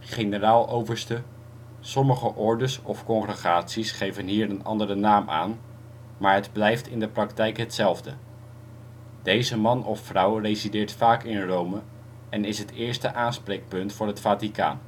Generaal-overste: sommige ordes of congregaties geven hier een andere naam aan, maar het blijft in de praktijk hetzelfde. Deze man of vrouw resideert vaak in Rome en is het eerste aanspreekpunt voor het Vaticaan